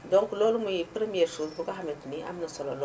donc loolu mooy première chose bu nga xamante ni am na solo lool